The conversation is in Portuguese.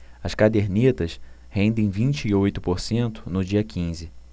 as cadernetas rendem vinte e oito por cento no dia quinze